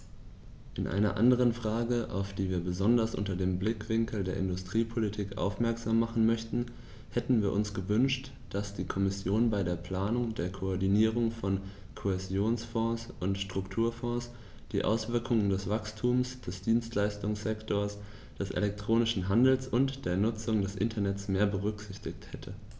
In einer anderen Frage, auf die wir besonders unter dem Blickwinkel der Industriepolitik aufmerksam machen möchten, hätten wir uns gewünscht, dass die Kommission bei der Planung der Koordinierung von Kohäsionsfonds und Strukturfonds die Auswirkungen des Wachstums des Dienstleistungssektors, des elektronischen Handels und der Nutzung des Internets mehr berücksichtigt hätte.